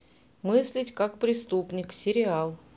мыслить как преступник сериал